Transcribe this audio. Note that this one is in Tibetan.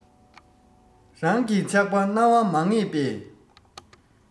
རང གི ཆགས པ སྣང བ མ ངེས པས